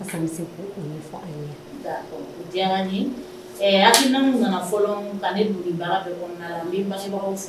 O diyara n ye hakilina na na fɔlɔ ka ne don ni baara kɔnɔna na